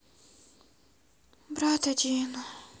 брат один